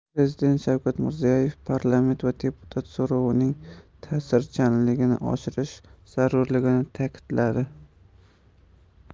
prezident shavkat mirziyoyev parlament va deputat so'rovining ta'sirchanligini oshirish zarurligini ta'kidladi